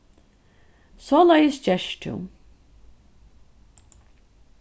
soleiðis gert tú